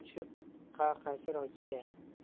tushib qa qaysi rokiya